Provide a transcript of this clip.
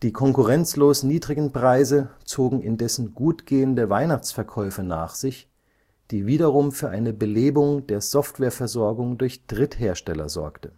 konkurrenzlos niedrigen Preise zogen indessen gutgehende Weihnachtsverkäufe nach sich, die wiederum für eine Belebung der Softwareversorgung durch Dritthersteller sorgte